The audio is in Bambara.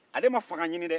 ale ma fanga ɲinin dɛ